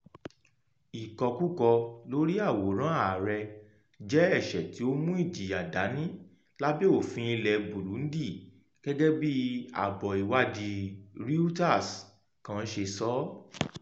Ìkọkúkọ [lórí àwòrán Ààrẹ] jẹ́ ẹ̀ṣẹ̀ tí ó mú ìjìyà dání lábẹ́ òfin ilẹ̀ Burundi gẹ́gẹ́ bí àbọ̀ ìwádìí Reuters kán ṣe sọ.